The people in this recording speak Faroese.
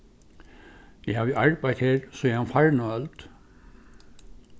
eg havi arbeitt her síðan farnu øld